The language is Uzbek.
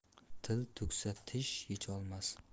til tugsa tish yecholmas